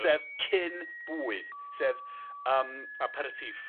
Sef cyn bwyd sef yym... Aperitif.